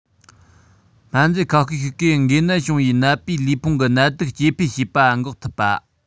སྨན རྫས ཁ ཤས ཤིག གིས འགོས ནད བྱུང བའི ནད པའི ལུས ཕུང གི ནད དུག སྐྱེ འཕེལ བྱེད པ འགོག ཐུབ ལ